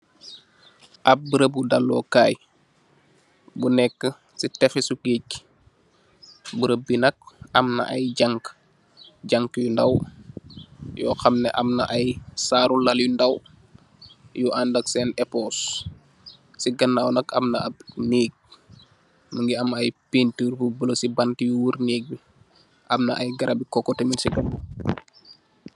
Am barabu dalu kay bu nekka ci tefessu gaaj, barabi bi nak am na ay jank, jank yu ndaw yu xamneh am na ay saru lal yu ndaw yu anda ak sèèni epós. Si ganaw nak am na ap nèk mugi am ay pentir yu bula si pant yu war nèk bi am na ay garap bi koko tamid ci kanam.